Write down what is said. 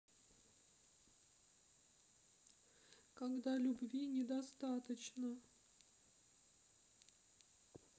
когда любви недостаточно